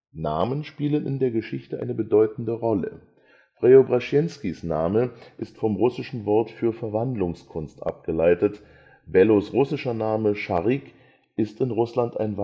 Namen spielen in der Geschichte eine bedeutende Rolle: Preobrashenskis Name ist vom russischen Wort für Verwandlungskunst abgeleitet. Bellos russischer Name, Scharik, ist in Russland ein